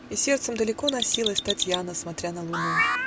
И сердцем далеко носилась Татьяна, смотря на луну.